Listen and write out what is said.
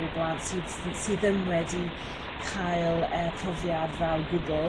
o blant sydd sydd ddim wedi cael ee profiad dda o' gwbl